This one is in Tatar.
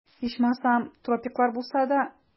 Ичмасам, тропиклар булса да...